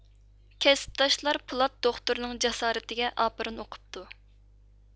كەسىپداشلار پولات دوختۇرنىڭ جاسارىتىگە ئاپىرىن ئوقۇپتۇ